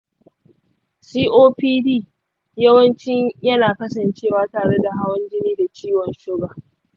copd yawanci yana kasancewa tare da hawan jini da ciwon suga.